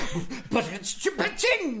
Shippe ching!